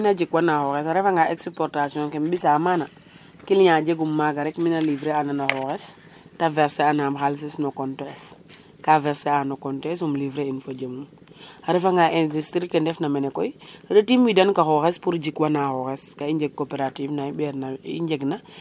mi na jik wana xoxes a refa nga exportation ke mbisa mana client jegum maga rek mina livrer ana na xoxes te verser anam xalises no compte es ka verser a na compte es um livrer in fojemum a refa nga industrie ke ndef na mene koy retim wedan ka xoxes pour jik wana xoxes ka i njeg cooperative na i mber na i njek na